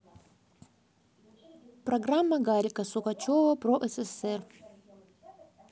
программа гарика сукачева про ссср